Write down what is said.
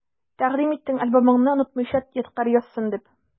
Тәкъдим иттең альбомыңны, онытмыйча ядкарь язсын дип.